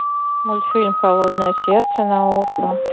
мультфильм холодное сердце на окко